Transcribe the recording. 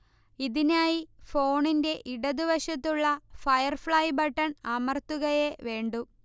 ഇതിനായി ഫോണിന്റെ ഇടതുവശത്തുള്ള ഫയർഫ്ളൈ ബട്ടൺ അമർത്തുകയേ വേണ്ടൂ